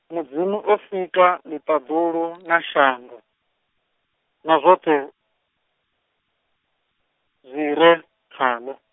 Mudzimu o sika ḽiṱaḓulu na shango, na zwoṱhe, zwire khaḽo.